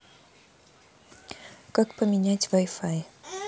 как поменять вай фай